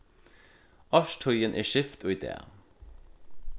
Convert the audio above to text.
árstíðin er skift í dag